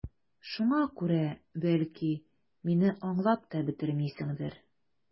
Шуңа күрә, бәлки, мине аңлап та бетермисеңдер...